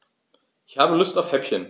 Ich habe Lust auf Häppchen.